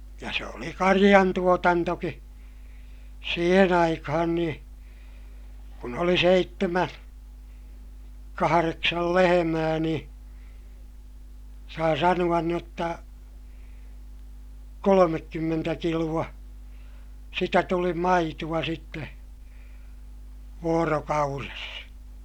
ja se oli karjantuotantokin siihen aikaan niin kun oli seitsemän kahdeksan lehmää niin saa sanoa - jotta kolmekymmentä kiloa sitä tuli maitoa sitten vuorokaudessa